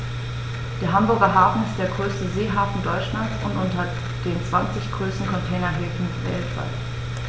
Der Hamburger Hafen ist der größte Seehafen Deutschlands und unter den zwanzig größten Containerhäfen weltweit.